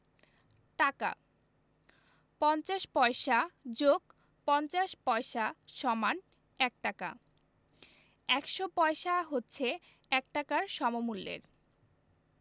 টাকাঃ ৫০ পয়সা + ৫০ পয়সা = ১ টাকা ১০০ পয়সা হচ্ছে ১ টাকার সমমূল্যের